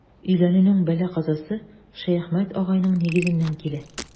Өйләнүнең бәла-казасы Шәяхмәт агайның нигезеннән килә.